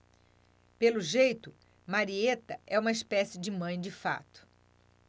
pelo jeito marieta é uma espécie de mãe de fato